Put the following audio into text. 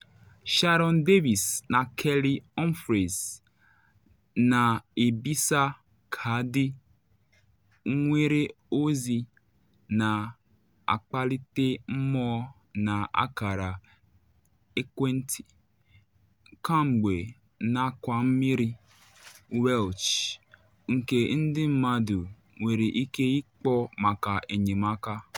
Sharon Davis na Kelly Humphreys na ebisa kaadị nwere ozi na akpalite mmụọ na akara ekwentị kemgbe n’akwa mmiri Welsh nke ndị mmadụ nwere ike ịkpọ maka enyemaka.